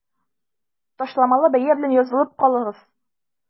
Ташламалы бәя белән язылып калыгыз!